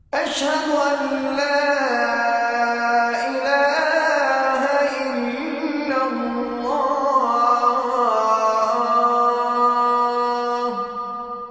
Ɛ sakumagɛnin wanakun mɔ